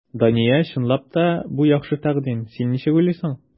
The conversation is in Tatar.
Дания, чынлап та, бу яхшы тәкъдим, син ничек уйлыйсың?